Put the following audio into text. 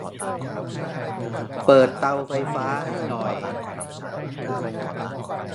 เปิดเตาไฟฟ้าให้หน่อย